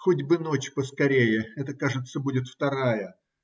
Хоть бы ночь поскорее; это, кажется, будет вторая.